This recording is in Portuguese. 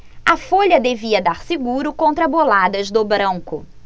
a folha devia dar seguro contra boladas do branco